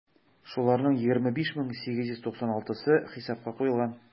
Шуларның 25 мең 896-сы хисапка куелган.